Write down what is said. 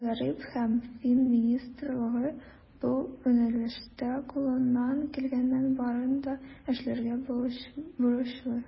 Мәгариф һәм фән министрлыгы бу юнәлештә кулыннан килгәннең барын да эшләргә бурычлы.